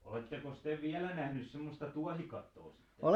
olettekos te vielä nähnyt semmoista tuohikattoa sitten